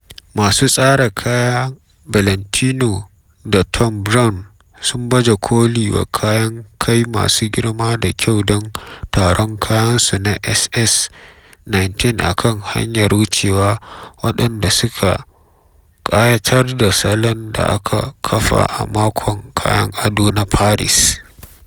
Masu tsara kaya Valentino da Thom Browne sun baje-koli wa kayan kai masu girma da kyau don tarun kayansu na SS19 a kan hanyar wucewa waɗanda suka ƙayatar da salon da aka kafa a Makon Kayan Ado na Paris.